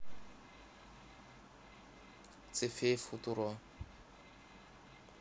цифей футуро